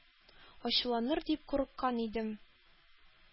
Ачуланыр дип курыккан идем,